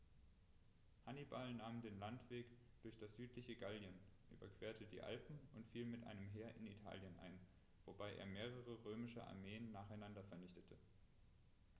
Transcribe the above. Hannibal nahm den Landweg durch das südliche Gallien, überquerte die Alpen und fiel mit einem Heer in Italien ein, wobei er mehrere römische Armeen nacheinander vernichtete.